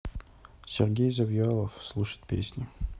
сергей завьялов слушать песни